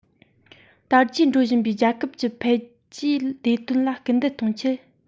དར རྒྱས འགྲོ བཞིན པའི རྒྱལ ཁབ ཀྱི འཕེལ རྒྱས ལས དོན ལ སྐུལ འདེད གཏོང ཆེད